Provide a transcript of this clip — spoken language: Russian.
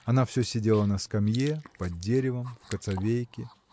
Она все сидела на скамье, под деревом, в кацавейке.